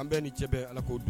An bɛɛ ni cɛ ala koo dun